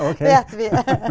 okay.